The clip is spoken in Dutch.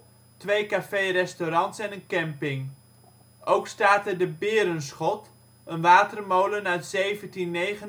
twee café-restaurants en een camping. Ook staat er de Berenschot, een watermolen uit 1749